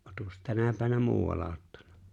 olettekos tänä päivänä muualla ottanut